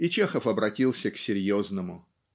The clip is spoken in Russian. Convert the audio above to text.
И Чехов обратился к серьезному.